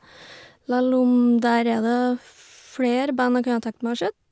Lell om der er det flere band jeg kunne ha tenkt meg å sett.